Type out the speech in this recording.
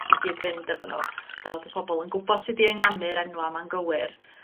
i gyd fynd efo nw fel bo' pobol yn gwbod sut i ynganu'r enwa 'ma'n gywir